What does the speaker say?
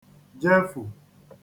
jefù